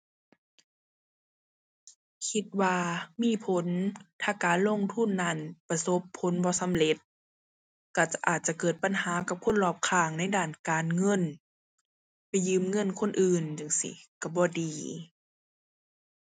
คิดว่ามีผล ถ้าการลงทุนนั้นประสบผลบ่สำเร็จ ก็จะ อาจจะเกิดปัญหากับคนรอบข้างในด้านการเงิน ไปยืมเงินคนอื่นจั่งซี้ก็บ่ดี